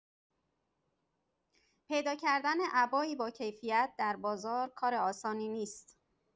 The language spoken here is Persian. پیدا کردن عبایی باکیفیت در بازار کار آسانی نیست.